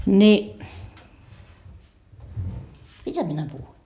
niin mitä minä puhuin